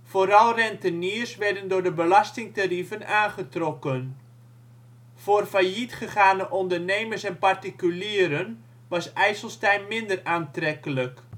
Vooral renteniers werden door de belastingtarieven aangetrokken. Voor failliet gegane ondernemers en particulieren was IJsselstein minder aantrekkelijk